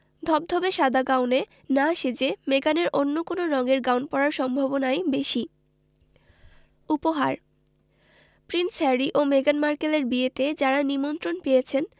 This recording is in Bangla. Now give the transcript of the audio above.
ধবধবে সাদা গাউনে না সেজে মেগানের অন্য কোন রঙের গাউন পরার সম্ভাবনাই বেশি উপহার প্রিন্স হ্যারি ও মেগান মার্কেলের বিয়েতে যাঁরা নিমন্ত্রণ পেয়েছেন